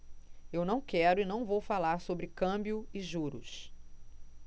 eu não quero e não vou falar sobre câmbio e juros